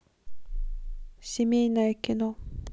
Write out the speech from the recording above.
семейное кино